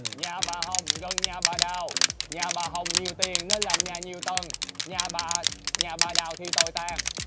nhà bà hồng gần nhà bà đào nhà bà hồng nhiều tiền nên làm nhà nhiều tầng nhà bà nhà bà đào thì tồi tàn